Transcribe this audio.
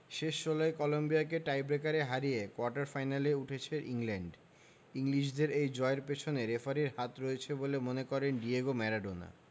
শেষ ষোলোয় কলম্বিয়াকে টাইব্রেকারে হারিয়ে কোয়ার্টার ফাইনালে উঠেছে ইংল্যান্ড ইংলিশদের এই জয়ের পেছনে রেফারির হাত রয়েছে বলে মনে করেন ডিয়েগো ম্যারাডোনা